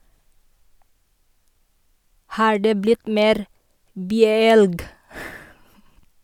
- Har det blitt mer "byelg"?